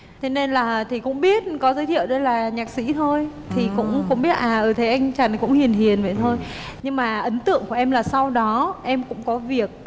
thế nên là thì cũng biết có giới thiệu đây là nhạc sĩ thôi thì cũng cũng biết à ừ thế anh chàng cũng hiền hiền vậy thôi nhưng mà ấn tượng của em là sau đó em cũng có việc